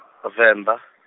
o- Venḓa.